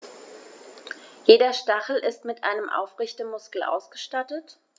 Jeder Stachel ist mit einem Aufrichtemuskel ausgestattet.